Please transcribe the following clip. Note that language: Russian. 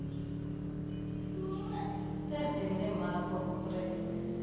кто в земле морковку красит